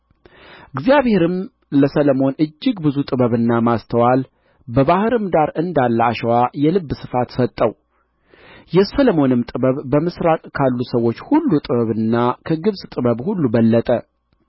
እግዚአብሔርም ለሰሎሞን እጅግ ብዙ ጥበብና ማስተዋል በባሕርም ዳር እንዳለ አሸዋ የልብ ስፋት ሰጠው የሰሎሞንም ጥበብ በምሥራቅ ካሉ ሰዎች ሁሉ ጥበብና ከግብጽ ጥበብ ሁሉ በለጠ